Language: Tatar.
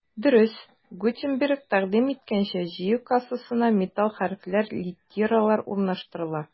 Дөрес, Гутенберг тәкъдим иткәнчә, җыю кассасына металл хәрефләр — литералар урнаштырыла.